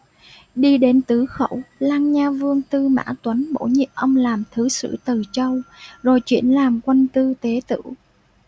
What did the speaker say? đi đến tứ khẩu lang nha vương tư mã tuấn bổ nhiệm ông làm thứ sử từ châu rồi chuyển làm quân tư tế tửu